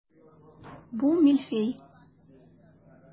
Бу мильфей.